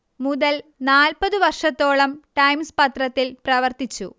മുതൽ നാൽപ്പതു വർഷത്തോളം ടൈെംസ് പത്രത്തിൽ പ്രവർത്തിച്ചു